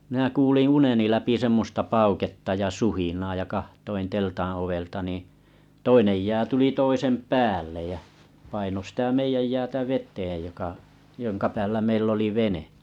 minä kuulin uneni läpi semmoista pauketta ja suhinaa ja katsoin teltan ovelta niin toinen jää tuli toisen päälle ja painoi sitä meidän jäätä veteen joka jonka päällä meillä oli vene